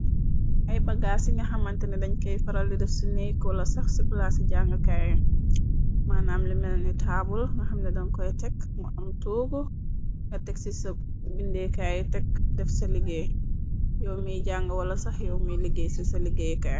Ay bagaas ci nga xamante ne dañ kay faral di def ci neekola sax ci plaa ci jàngkaayu manam limelni taabul na xamne dan koy tekk mu am toog nga teg ci sa bindeekaay yu tekk def ca liggéey yoow miy jàng wala sax yoow miy liggéey ci ca liggéeyu kaay.